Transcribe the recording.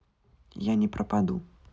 я не пропаду